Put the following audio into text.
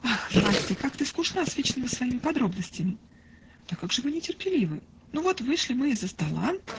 -- Ах, Настя, как ты скучна с вечными своими подробностями! -- Да как же вы нетерпеливы! Ну вот вышли мы из-за стола.